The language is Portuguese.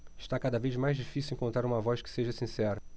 está cada vez mais difícil encontrar uma voz que seja sincera